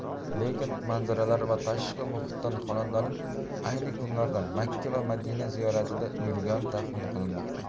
lekin manzaralar va tashqi muhitdan xonandaning ayni kunlarda makka va madina ziyoratida yurgani taxmin qilinmoqda